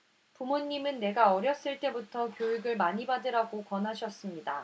부모님은 내가 어렸을 때부터 교육을 많이 받으라고 권하셨습니다